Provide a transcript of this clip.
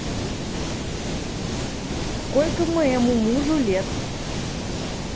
сколько моему мужу лет